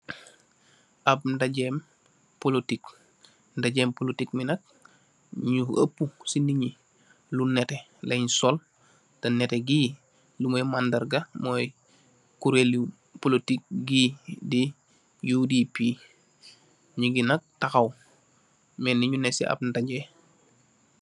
Ab najem polotic najem polotic me nak nu opu se neetnye lu neteh len sol teh neteh ge moye madarga moye kurel lu polotic ge de udp nuge nak tahaw melne nu neh se ab najem.